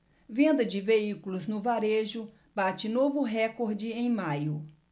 venda de veículos no varejo bate novo recorde em maio